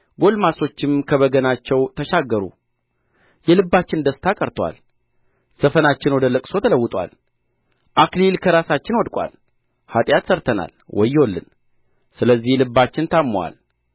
ጕልማሶች ከበገናቸው ተሻሩ የልባችን ደስታ ቀርቶአል ዘፈናችን ወደ ልቅሶ ተለውጦአል አክሊል ከራሳችን ወድቆአል ኃጢአት ሠርተናልና ወዮልን ስለዚህ ልባችን ታምሞአል